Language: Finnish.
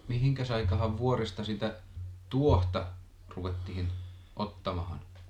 mihin aikaan vuodesta sitä tuosta ruvettiin ottamaan